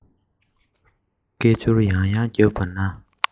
སྐད ཅོར ཡང ཡང བརྒྱབ པ ན